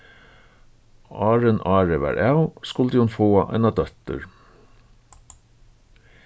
áðrenn árið var av skuldi hon fáa eina dóttur